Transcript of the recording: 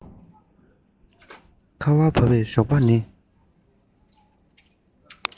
ཁ བ བབས པའི ཞོགས པ ནི